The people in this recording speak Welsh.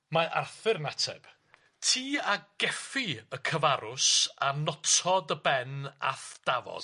Mae Arthur yn ateb, ti a geffi y cyfarws a notod y ben ath dafod.